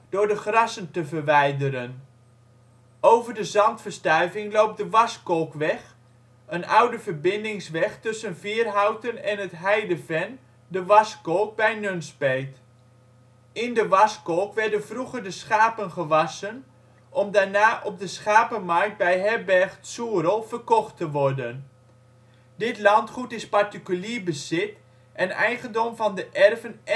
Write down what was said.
door de grassen te verwijderen. Over de zandverstuiving loopt de Waskolkweg, een oude verbindingsweg tussen Vierhouten en het heideven de " Waschkolk " bij Nunspeet. In de " Waschkolk " werden vroeger de schapen gewassen om daarna op de schapenmarkt bij herberg ' t Soerel verkocht te worden. Dit landgoed is particulier bezit en eigendom van de erven Enschedé